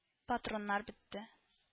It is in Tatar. Патроннар бетте